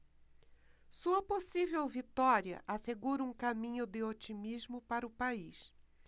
sua possível vitória assegura um caminho de otimismo para o país